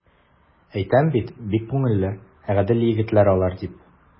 Әйтәм бит, киң күңелле, гадел егетләр алар, дип.